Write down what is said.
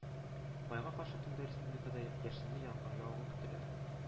Майга каршы төндә республикада яшенле яңгыр явуы көтелә